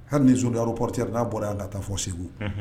Hali ni zone aéroportuaire n'a bɔra yan ka taa fɔ Segu, unhun